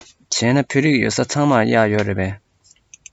བྱས ན བོད རིགས ཡོད ས ཚང མར གཡག ཡོད རེད པས